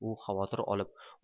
u xavotir olib